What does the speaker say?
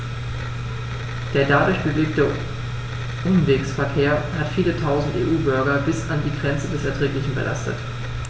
Der dadurch bewirkte Umwegsverkehr hat viele Tausend EU-Bürger bis an die Grenze des Erträglichen belastet.